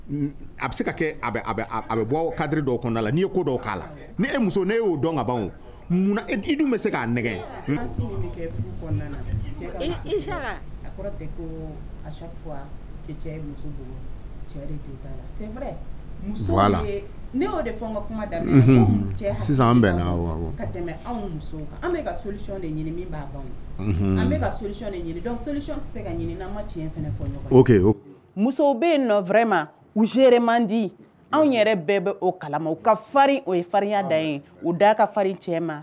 A bɛ se ka kɛ bɛ bɔ kadi aw la n' ye ko k'a la muso ne y'o dɔn ka dun bɛ se k'a an musow bɛ nɔn ma u z man di anw yɛrɛ bɛɛ bɛ' kalama ka fa o ye faririnya da ye u da ka farin cɛ ma